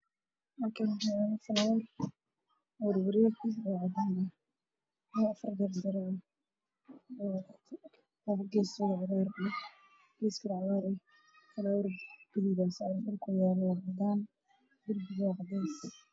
Waxaa ii muuqday geed wax oo baxaayo oo cagaaran meesha u saaran yahay waa meel caddaan ah